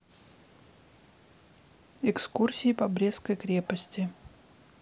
экскурсии по брестской крепости